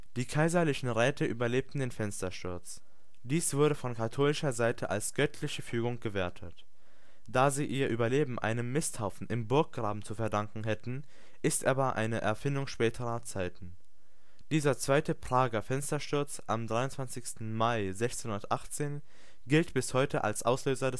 Die kaiserlichen Räte überlebten den Fenstersturz; dies wurde von katholischer Seite als göttliche Fügung gewertet. Dass sie ihr Überleben einem Misthaufen im Burggraben zu verdanken hätten, ist aber eine Erfindung späterer Zeiten. Dieser Zweite Prager Fenstersturz am 23. Mai 1618 gilt bis heute als Auslöser